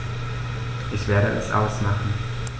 Ich werde es ausmachen